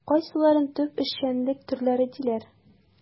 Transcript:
Кайсыларын төп эшчәнлек төрләре диләр?